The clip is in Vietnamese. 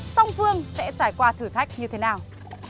song phương sẽ trải qua thử thách như thế nào